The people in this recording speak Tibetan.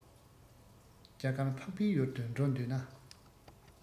རྒྱ གར འཕགས པའི ཡུལ དུ འགྲོ འདོད ན